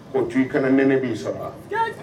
K'o tu i kana nɛnɛ b'i sɔrɔ a <